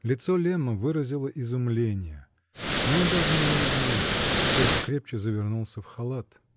Лицо Лемма выразило изумление, но он даже не улыбнулся, только крепче завернулся в халат.